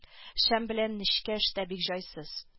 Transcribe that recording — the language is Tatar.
Шәм белән нечкә эштә бик җайсыз